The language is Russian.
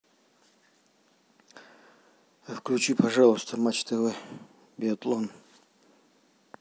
включи пожалуйста матч тв биатлон